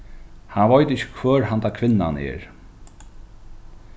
hann veit ikki hvør handa kvinnan er